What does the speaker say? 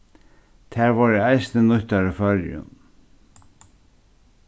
tær vórðu eisini nýttar í føroyum